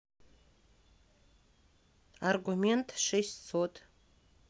аргумент шестьсот